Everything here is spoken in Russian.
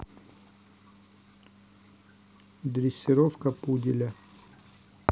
дрессировка пуделя